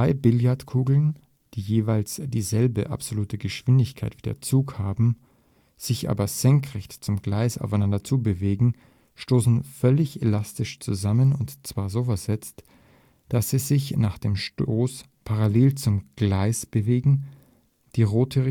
Billardkugeln, die jeweils dieselbe absolute Geschwindigkeit wie der Zug haben, sich aber senkrecht zum Gleis aufeinander zubewegen, stoßen völlig elastisch zusammen, und zwar so versetzt, dass sie sich nach dem Stoß parallel zum Gleis bewegen, die rote